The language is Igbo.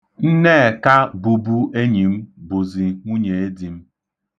Nneka, bụbu enyi m, bụzi nwunyeedi m.